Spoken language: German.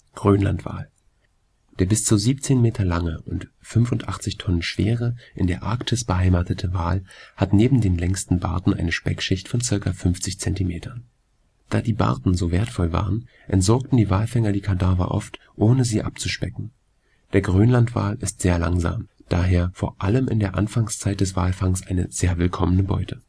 Grönlandwal: Der bis zu 17 Meter lange und 85 Tonnen schwere in der Arktis beheimatete Wal hat neben den längsten Barten eine Speckschicht von ca. 50 cm. Da die Barten so wertvoll waren, entsorgten die Walfänger die Kadaver oft, ohne sie abzuspecken. Der Grönlandwal ist sehr langsam, daher vor allem in der Anfangszeit des Walfangs eine sehr willkommene Beute